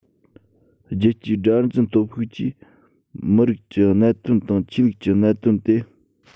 རྒྱལ སྤྱིའི དགྲར འཛིན སྟོབས ཤུགས ཀྱིས མི རིགས ཀྱི གནད དོན དང ཆོས ལུགས ཀྱི གནད དོན དེ